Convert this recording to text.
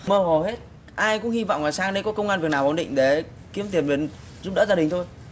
mơ hồ hết ai cũng hy vọng là sang đây có công ăn việc làm ổn định để kiếm tiền về giúp đỡ gia đình thôi